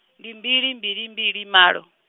ndi mbili mbili mbili malo.